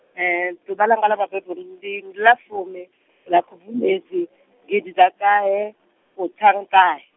ḓuvha langa ḽa mabebo ndi, ndi ḽa fumi ḽa Khubvumedzi gidiḓaṱahefuṱhanuṱahe.